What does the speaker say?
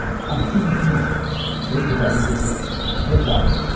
artigo quinze entre parênteses vetado